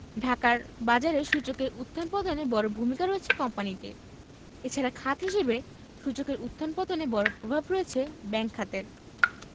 ঢাকার বাজারে সূচকের উত্থান পতনে বড় ভূমিকা রয়েছে কোম্পানিটির এ ছাড়া খাত হিসেবে সূচকের উত্থান পতনে বড় প্রভাব রয়েছে ব্যাংক খাতের